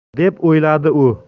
deb uyladi u